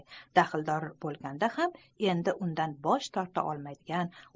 daxldor bo'lganda ham endi undan bosh torta olmaydigan